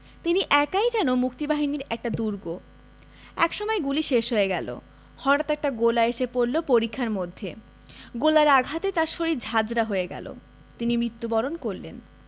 তিনি একাই যেন মুক্তিবাহিনীর একটা দুর্গ একসময় গুলি শেষ হয়ে গেল হটাঠ একটা গোলা এসে পড়ল পরিখার মধ্যে গোলার আঘাতে তার শরীর ঝাঁঝরা হয়ে গেল তিনি মৃত্যুবরণ করলেন